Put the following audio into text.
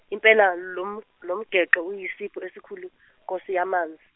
impela lom- lomgexo uyisipho esikhulu Nkosi yamanzi.